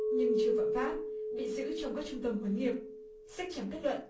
nhưng chưa phạm pháp bị giữ trong các trung tâm huấn nghiệp sách trắng kết luận